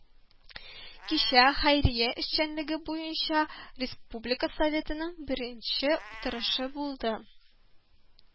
Кичә хәйрия эшчәнлеге буенча Республика Советының беренче утырышы булды